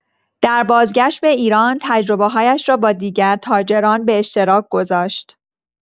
در بازگشت به ایران، تجربه‌هایش را با دیگر تاجران به اشتراک گذاشت.